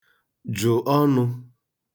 jụ̀ ọnụ̄